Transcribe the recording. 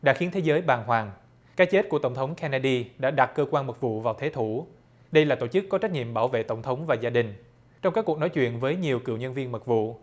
đã khiến thế giới bàng hoàng cái chết của tổng thống ken ne đi đã đặt cơ quan mật vụ vào thế thủ đây là tổ chức có trách nhiệm bảo vệ tổng thống và gia đình trong các cuộc nói chuyện với nhiều cựu nhân viên mật vụ